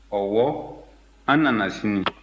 ɔwɔ an na na sini